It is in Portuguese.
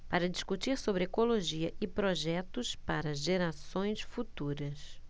para discutir sobre ecologia e projetos para gerações futuras